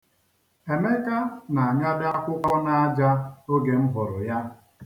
Emeka na-anyado akwụkwọ n'aja oge m hụrụ ya.